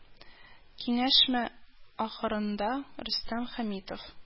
Киңәшмә ахырында Рөстәм Хәмитов